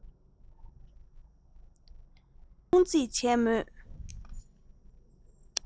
ཡར སློང རྩིས བྱས མོད